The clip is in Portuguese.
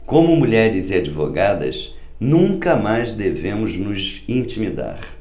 como mulheres e advogadas nunca mais devemos nos intimidar